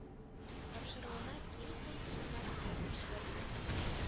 Тапшыруына, гимн конкурсына дип язып җибәрергә кирәк